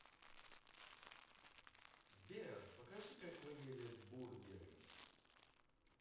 сбер покажи как выглядит бургеры